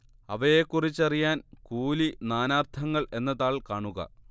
അവയെക്കുറിച്ചറിയാൻ കൂലി നാനാർത്ഥങ്ങൾ എന്ന താൾ കാണുക